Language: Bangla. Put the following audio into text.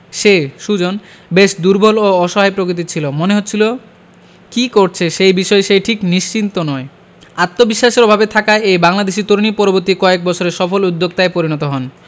সে সুজন বেশ দুর্বল ও অসহায় প্রকৃতির ছিল মনে হচ্ছিল কী করছে সেই বিষয়ে সে ঠিক নিশ্চিন্ত নয় আত্মবিশ্বাসের অভাবে থাকা এই বাংলাদেশি তরুণই পরবর্তী কয়েক বছরে সফল উদ্যোক্তায় পরিণত হন